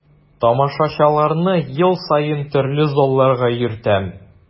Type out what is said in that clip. Тамашачыларны ел саен төрле залларга йөртәм.